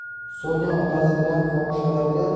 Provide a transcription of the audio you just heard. sonya otasi bilan fohishalarga